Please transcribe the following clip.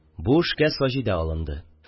Бу эшкә Саҗидә алынды.